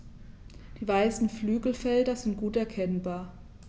Die weißen Flügelfelder sind gut erkennbar.